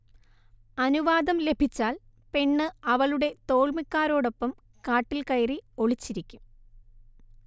അനുവാദം ലഭിച്ചാൽ പെണ്ണ് അവളുടെ തോൾമിക്കാരോടൊപ്പം കാട്ടിൽകയറി ഒളിച്ചിരിക്കും